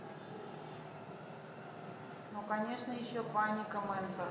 ну конечно еще паника ментор